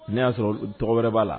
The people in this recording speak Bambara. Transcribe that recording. Ne y'a sɔrɔ tɔgɔ wɛrɛ b'a la